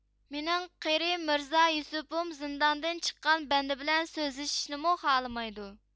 مېنىڭ قېرى مىرزا يۈسۈپۈم زىنداندىن چىققان بەندە بىلەن سۆزلىشىشنىمۇ خالىمايدۇ